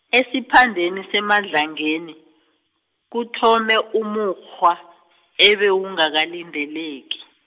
esiphandeni seMadlangeni, kuthome umukghwa , ebe ungakalindeleki